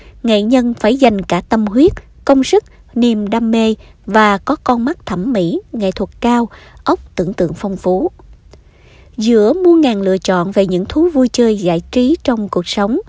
nghệ nhân phải dành cả tâm huyết công sức niềm đam mê và có con mắt thẩm mỹ nghệ thuật cao óc tưởng tượng phong phú giữa muôn ngàn lựa chọn về những thú vui chơi giải trí trong cuộc sống